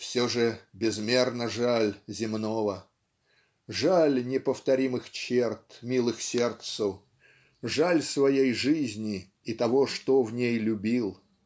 Все же безмерно жаль земного! Жаль неповторимых черт милых сердцу жаль своей жизни и того что в ней любил.